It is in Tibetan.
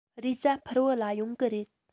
རེས གཟའ ཕུར བུ ལ ཡོང གི རེད